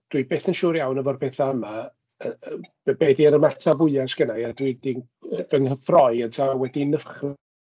Dwi byth yn siŵr iawn efo'r pethau yma yy yy be be 'di'r ymateb fwyaf sydd gynna i ydw i 'di fy nghyffroi ynteu wedi fy nychry-